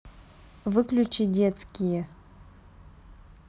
выключи детские